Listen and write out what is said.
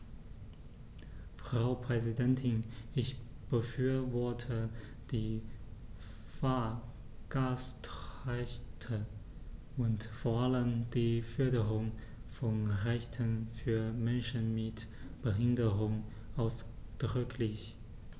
Frau Präsidentin, ich befürworte die Fahrgastrechte und vor allem die Förderung von Rechten für Menschen mit Behinderung ausdrücklich.